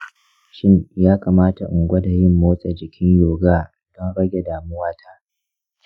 shin ya kamata in gwada yin motsa jikin yoga don rage damuwata?